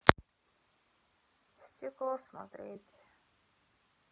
стекло смотреть